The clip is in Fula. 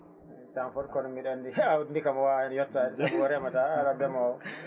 sans faute kono mbiɗo andi awdi ndi kam o wawa hen yettade saabu o remata ala ndeemo